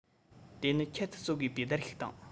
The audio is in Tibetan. དེ ནི ཁྱད དུ གསོད དགོས པའི རྡར ཤུགས དང